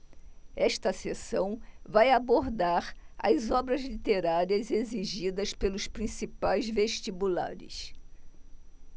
esta seção vai abordar as obras literárias exigidas pelos principais vestibulares